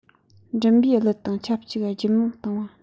མགྲིན པའི གླུ དང ཆབས ཅིག རྒྱུད མང བཏང བ